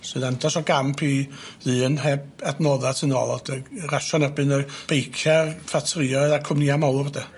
Sy'n andros o gamp i ddŷn heb adnodda' tu nôl o dy- rasio yn erbyn y beicia'r ffatrioedd a cwmnïa mawr de.